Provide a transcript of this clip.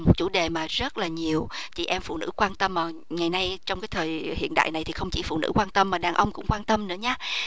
một chủ đề mà rất là nhiều chị em phụ nữ quan tâm ngày nay trong cái thời hiện đại này thì không chỉ phụ nữ quan tâm mà đàn ông cũng quan tâm nữa nhá